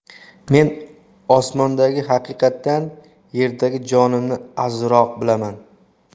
men osmondagi haqiqatdan yerdagi jonimni azizroq bilaman